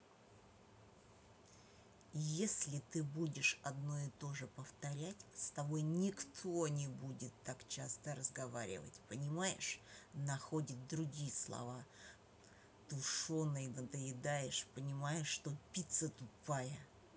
если ты будешь одно и тоже повторять с тобой никто не будет так часто разговаривать понимаешь находит другие слова тушеной надоедаешь понимаешь что пицца тупая